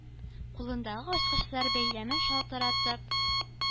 Кулындагы ачкычлар бәйләмен шалтыратып,